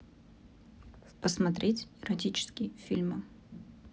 посмотреть эротические фильмы